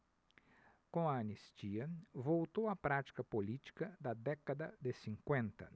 com a anistia voltou a prática política da década de cinquenta